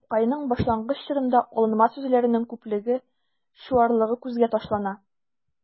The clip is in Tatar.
Тукайның башлангыч чорында алынма сүзләрнең күплеге, чуарлыгы күзгә ташлана.